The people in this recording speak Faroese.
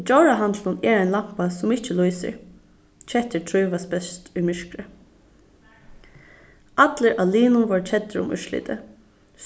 í djórahandlinum er ein lampa sum ikki lýsir kettur trívast best í myrkri allir á liðnum vóru keddir um úrslitið